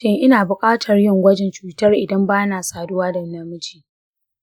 shin ina buƙatar yin gwajin cutar idan ba na saduwa da namiji?